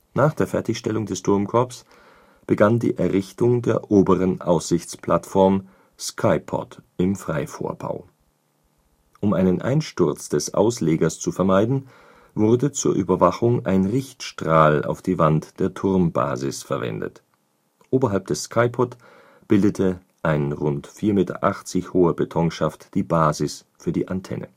Nach der Fertigstellung des Turmkorbs begann die Errichtung der oberen Aussichtsplattform Sky Pod im Freivorbau. Um einen Einsturz des Auslegers zu vermeiden, wurde zur Überwachung ein Richtstrahl auf die Wand der Turmbasis verwendet. Oberhalb des Sky Pod bildete ein rund 4,80 Meter hoher Betonschaft die Basis für die Antenne